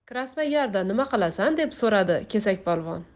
krasnoyarda nima qilasan deb so'radi kesakpolvon